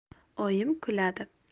oyim kuladi